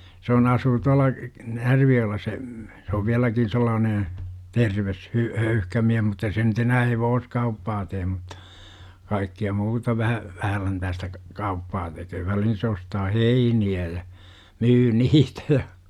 se on asuu tuolla Närvijoella se se on vieläkin sellainen terve - höyhkä mies mutta se nyt enää hevoskauppaa tee mutta kaikkea muuta vähän vähänläntäistä kauppaa tekee väliin se ostaa heiniä ja myy niitä ja